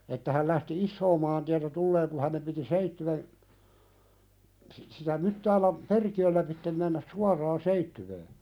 että hän lähti isoa maantietä tulemaan kun hänen piti Seitsiön - sitä Myttäälän perkiöllä läpi mennä suoraan Seitsiöön